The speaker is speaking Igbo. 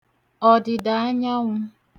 ọ̀dị̀dàanyanwụ̄